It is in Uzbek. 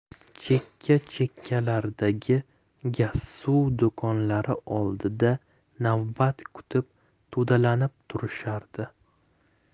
chekka chekkalardagi gazsuv do'konlari oldida navbat kutib to'dalanib turishardi